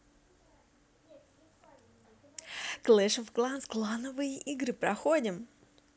clash of clans клановые игры проходим